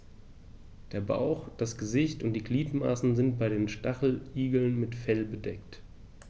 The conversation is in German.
Der Bauch, das Gesicht und die Gliedmaßen sind bei den Stacheligeln mit Fell bedeckt.